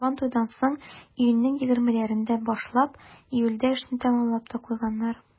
Сабантуйдан соң, июньнең егермеләрендә башлап, июльдә эшне тәмамлап та куйганнар.